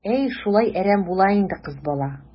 Әй, шулай әрәм була инде кыз бала.